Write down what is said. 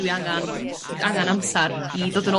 Dwi angan... Ia. ...angan amser i ddod yn...